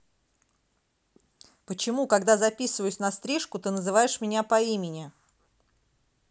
почему когда записываюсь на стрижку ты называешь меня по имени